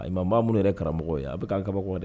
Alimami ba minnuw yɛrɛ ye karamɔgɔw ye a bɛ ka an ka